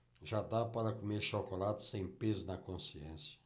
já dá para comer chocolate sem peso na consciência